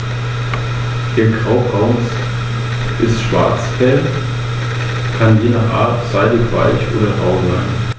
Versuche Makedoniens, die alte Hegemonie wieder aufzurichten, führten zum Krieg.